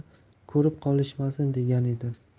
ko'rib qolishmasin degan edim